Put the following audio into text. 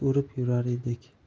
o'rib yurar edik